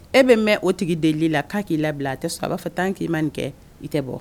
E bɛ mɛn o tigi deli la k'a k'i labila a tɛ b'a taa k'i ma nin kɛ i tɛ bɔ